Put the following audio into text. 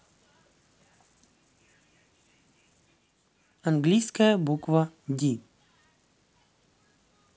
английская буква d